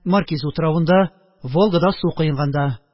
Маркиз утравында, Волгада су коенганда...